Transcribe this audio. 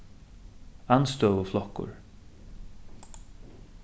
andstøðuflokkur